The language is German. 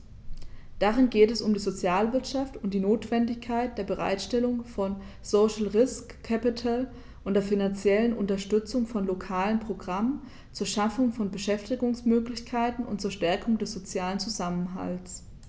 Darin geht es um die Sozialwirtschaft und die Notwendigkeit der Bereitstellung von "social risk capital" und der finanziellen Unterstützung von lokalen Programmen zur Schaffung von Beschäftigungsmöglichkeiten und zur Stärkung des sozialen Zusammenhalts.